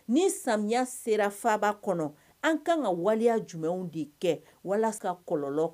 Ni sami sera faba kɔnɔ an kan ka waliya jumɛnw de kɛ walasa kɔlɔnlɔ